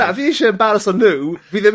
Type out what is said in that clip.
Na fi eisie embaraso nw, fi ddim...